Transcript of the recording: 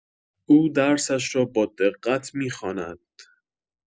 او درسش را با دقت می‌خواند